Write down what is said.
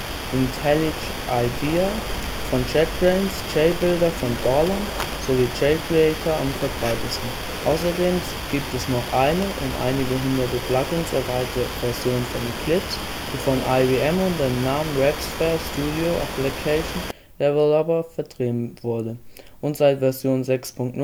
IntelliJ IDEA von JetBrains, JBuilder von Borland sowie JCreator am verbreitetsten. Außerdem gibt es noch eine, um einige hundert Plugins erweiterte Version von Eclipse, die von IBM unter dem Namen WebSphere Studio Application Developer („ WSAD “) vertrieben wurde und seit Version 6.0